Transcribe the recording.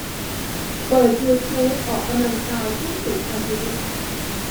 เปิดยูทูปออกกำลังกายผู้สูงอายุ